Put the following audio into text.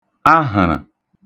ahə̣̀rə̣̀